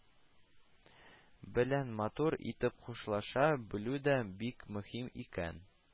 Белән матур итеп хушлаша белү дә бик мөһим икән